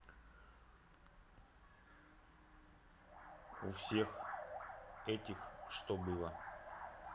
у всех этих что было